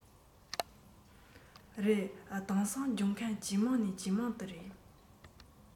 རེད དེང སང སྦྱོང མཁན ཇེ མང ནས ཇེ མང རེད